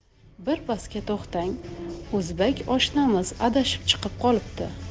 birpasga to'xtang o'zbak oshnamiz adashib chiqib qolibdi